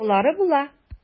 Болары була.